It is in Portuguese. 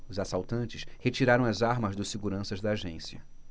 os assaltantes retiraram as armas dos seguranças da agência